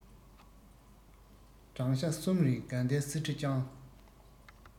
བགྲང བྱ གསུམ རིང དགའ ལྡན གསེར ཁྲི བསྐྱངས